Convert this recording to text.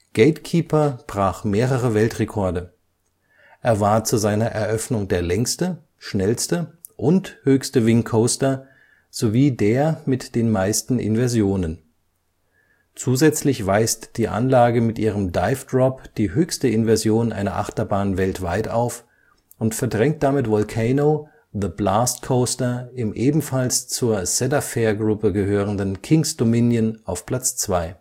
GateKeeper brach mehrere Weltrekorde. Er war zu seiner Eröffnung der längste, schnellste und höchste Wing Coaster, sowie der mit den meisten Inversionen. Zusätzlich weist die Anlage mit ihrem Dive Drop die höchste Inversion einer Achterbahn weltweit auf und verdrängt damit Volcano, The Blast Coaster im ebenfalls zur Cedar-Fair-Gruppe gehörenden Kings Dominion auf Platz Zwei